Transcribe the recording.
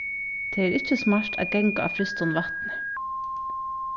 tað er ikki smart at ganga á frystum vatni